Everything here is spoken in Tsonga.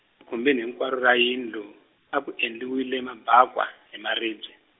khumbini hinkwaro ra yindlu, a ku endliwile mabakwa, hi maribye.